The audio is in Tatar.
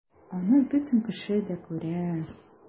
Аны бөтен кеше дә күрә...